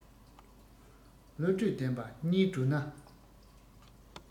བློ གྲོས ལྡན པ གཉིས བགྲོས ན